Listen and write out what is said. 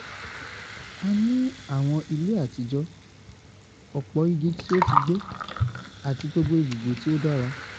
"A ní àwọn ile àtijọ́, ọ̀pọ̀ igi tí ó ti gbó àti gbogbo ibùgbé tí ó dára.